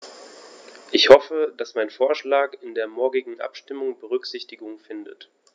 Ich hoffe, dass mein Vorschlag in der morgigen Abstimmung Berücksichtigung findet.